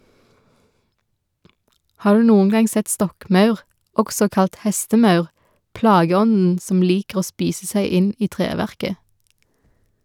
Har du noen gang sett stokkmaur, også kalt hestemaur, plageånden som liker å spise seg inn i treverket?